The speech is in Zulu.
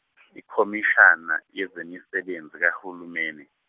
iKhomishana yezeMisebenzi kaHulumeni.